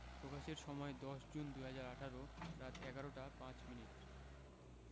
প্রকাশের সময় ১০ জুন ২০১৮ রাত ১১টা ৫ মিনিট